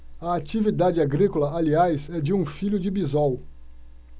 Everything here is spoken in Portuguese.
a atividade agrícola aliás é de um filho de bisol